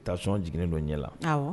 U taa sɔnɔn jnen don ɲɛ la